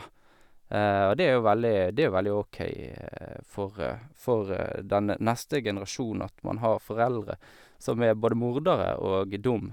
Og det er jo veldig det er jo veldig OK for for den neste generasjonen at man har foreldre som er både mordere og dum.